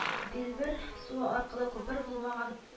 Делбер суы аркылы күпер булмаган